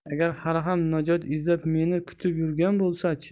agar hali ham najot izlab meni kutib yurgan bo'lsa chi